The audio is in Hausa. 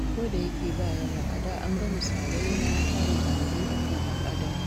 Ko da yake ba yawa, a da an ga misalai na harin aladu a kan ‘yan Adam.